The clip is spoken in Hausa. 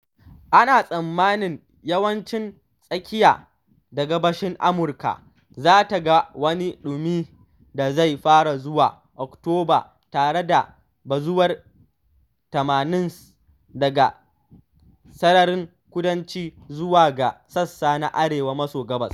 Ana tsammanin yawancin tsakiya da gabashin Amurka za ta ga wani ɗumi da zai fara zuwa Oktoba tare da bazuwar 80s daga Sararin Kudanci zuwa ga sassa na Arewa-maso-gabas.